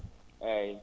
eeyi